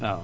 waaw